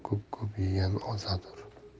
ko'p ko'p yegan ozadur